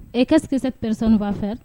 Ɛ kassɛ pereswba fɛ